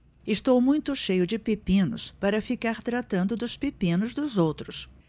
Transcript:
estou muito cheio de pepinos para ficar tratando dos pepinos dos outros